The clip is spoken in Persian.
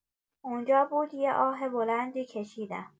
اونجا بود یه آه بلندی کشیدم